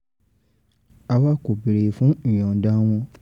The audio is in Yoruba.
"Àwa kò bèèrè fún ìyànda wọn."